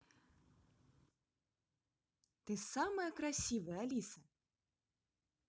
ты самая красивая алиса